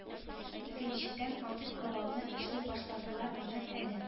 Икенчедән андый коралны эшли башладылар гына әле